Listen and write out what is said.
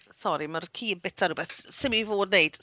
Oedd yym... Sori mae'r ci yn byta rhywbeth s- ddim i fod wneud.